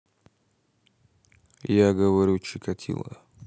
я говорю чикатило